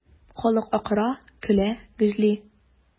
Халык акыра, көлә, гөжли.